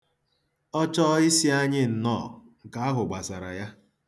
Ọ chọọ ịsị anyị nnọọ, nke ahụ gbasara ya.